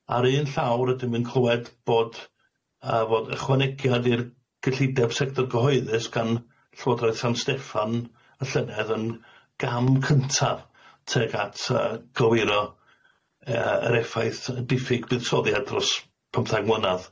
Ar un llaw rydym yng nghlywed bod yy fod ychwanegiad i'r gyllideb sector gyhoeddus gan Llywodraeth San Steffan y llynedd yn gam cyntaf tuag at yyy gywiro yyy yr effaith diffyg buddsoddiad dros pymthang mlynadd.